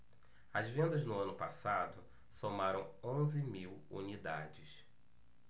as vendas no ano passado somaram onze mil unidades